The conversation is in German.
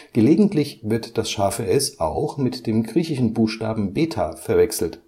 Gelegentlich wird das ß auch mit dem griechischen Buchstaben β (beta) verwechselt